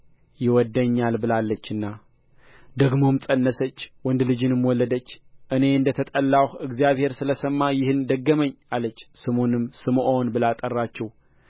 ይወድደኛል ብላለችና ደግሞም ፀነሰች ወንድ ልጅንም ወለደች እኔ እንደ ተጠላሁ እግዚአብሔር ስለ ሰማ ይህን ደገመኝ አለች ስሙንም ስምዖን ብላ ጠራችው